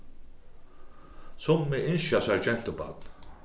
summi ynskja sær gentubarn